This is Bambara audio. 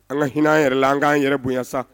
An ka h hinɛan yɛrɛ la an k'an yɛrɛ bonyayan sa